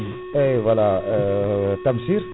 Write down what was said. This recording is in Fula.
eyyi voilà eyyi Tamsir